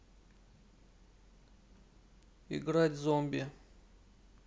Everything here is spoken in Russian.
играть зомби